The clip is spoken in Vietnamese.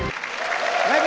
bây